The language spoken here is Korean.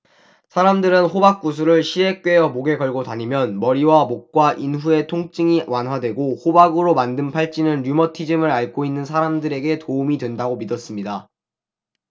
사람들은 호박 구슬을 실에 꿰어 목에 걸고 다니면 머리와 목과 인후의 통증이 완화되고 호박으로 만든 팔찌는 류머티즘을 앓고 있는 사람들에게 도움이 된다고 믿었습니다